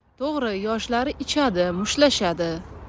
to'g'ri yoshlari ichadi mushtlashadi